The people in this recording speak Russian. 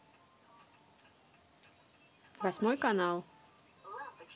восьмой канал